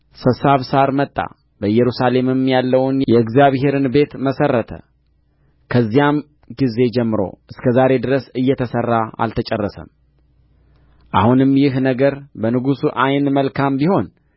ሰሳብሳር መጣ በኢየሩሳሌምም ያለውን የእግዚአብሔርን ቤት መሠረተ ከዚያም ጊዜ ጀምሮ እስከ ዛሬ ድረስ እየተሠራ አልተጨረሰም አሁንም ይህ ነገር በንጉሡ ዓይን መልካም ቢሆን